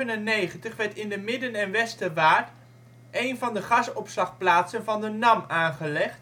1997 werd in de Midden - en Westerwaard een van de gasopslagplaatsen van de NAM aangelegd